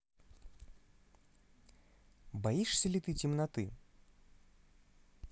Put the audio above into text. боишься ли ты темноты